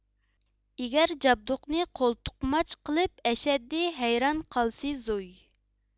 ئېگەر جابدۇقنى قولتۇقماچ قىلىپ ئەشەددىي ھەيران قالىسىزۇي